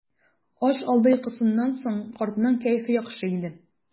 Аш алды йокысыннан соң картның кәефе яхшы иде.